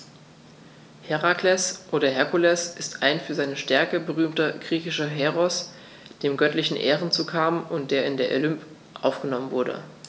Herakles oder Herkules ist ein für seine Stärke berühmter griechischer Heros, dem göttliche Ehren zukamen und der in den Olymp aufgenommen wurde.